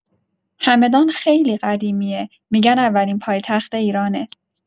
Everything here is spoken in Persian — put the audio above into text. همدان خیلی قدیمیه، می‌گن اولین پایتخت ایرانه.